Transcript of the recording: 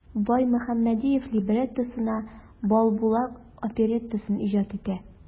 Баймөхәммәдев либреттосына "Балбулак" опереттасын иҗат итә.